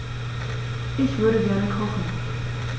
Ich würde gerne kochen.